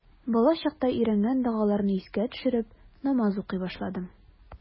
Балачакта өйрәнгән догаларны искә төшереп, намаз укый башладым.